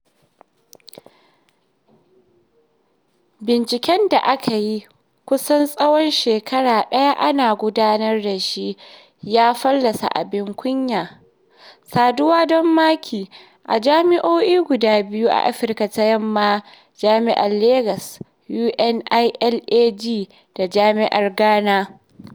Binciken da aka yi kusan tsawon shekara guda ana gudanar da shi ya fallasa abin kunyar "saduwa don maki" a jami'o'i guda biyu a Afirka ta Yamma: Jami'ar Legas (UNILAG) da Jami'ar Gana.